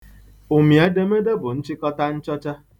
Ụmị-edemede bụ nchịkọta nchọcha.